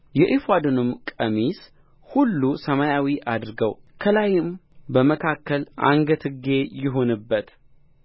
የኤፉዱንም ቀሚስ ሁሉ ሰማያዊ አድርገው ከላይም በመካከል አንገትጌ ይሁንበት